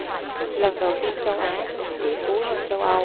lần đầu tiên châu á nhiều tỷ phú hơn châu âu